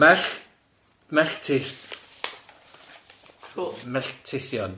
Mell- melltith... Cŵl... Melltithion.